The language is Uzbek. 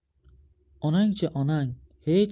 onang chi onang hech